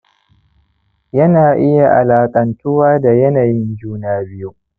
ya na iya alaƙantuwa da yanayin juna-biyu